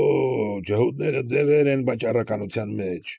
Օ՜օ, ջհուդները դևեր են վաճառականության մեջ։